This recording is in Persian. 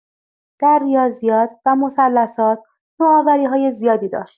در ریاضیات و مثلثات نوآوری‌های زیادی داشت.